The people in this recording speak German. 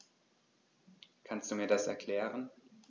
Kannst du mir das erklären?